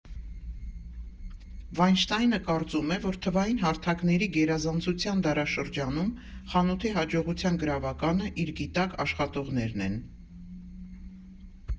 Վայնշտայնը կարծում է, որ թվային հարթակների գերազանցության դարաշրջանում խանութի հաջողության գրավականը իր գիտակ աշխատողներն են։